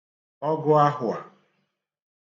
ọgụ ahùà